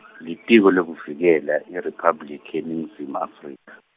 Litiko lekuvikela, IRiphabliki yeNingizimu Afrika.